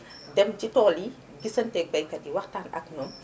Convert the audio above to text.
dem ci tool yi gisante ak baykat yi waxtaan ak ñoom